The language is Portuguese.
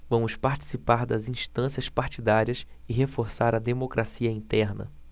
vamos participar das instâncias partidárias e reforçar a democracia interna